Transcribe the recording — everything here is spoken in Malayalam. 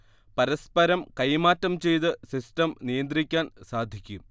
പരസ്പരം കൈമാറ്റം ചെയ്ത് സിസ്റ്റം നിയന്ത്രിക്കാൻ സാധിക്കും